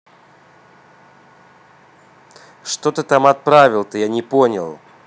что ты там отправил то я не понял